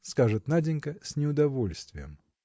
– скажет Наденька с неудовольствием.